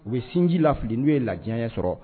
U bɛ sinji lafili n'u ye ladiya na sɔrɔ